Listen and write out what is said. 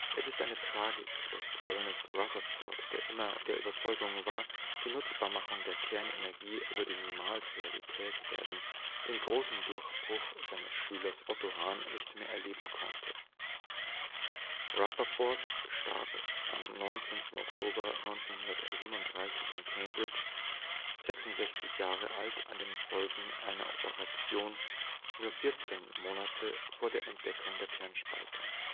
ist eine Tragik, dass Ernest Rutherford, der immer der Überzeugung war, die Nutzbarmachung der Kernenergie würde niemals Realität werden, den großen Durchbruch seines Schülers Otto Hahn nicht mehr erleben konnte. Rutherford starb am 19. Oktober 1937 in Cambridge, 66 Jahre alt, an den Folgen einer Operation, nur vierzehn Monate vor der Entdeckung der Kernspaltung